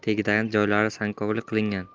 tegadigan joylari sangkorlik qilingan